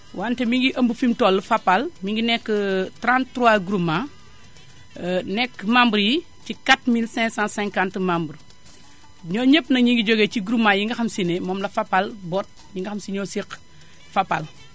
wante mi ngi ëmb fi mu toll Fapal mi ngi nekk 33 groupements nekk membres yi ci 4550 membres ñooñu ñépp nag ñu ngi jóge ci groupement yi nga xam se ne sii moom la Fapal boot yi nga xam se ne ñoo séq Fapal